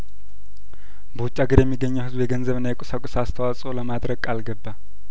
በውጭ አገር የሚገኘው ህዝብ የገንዘብና የቁሳቁስ አስተዋጾ ለማድረግ ቃል ገባ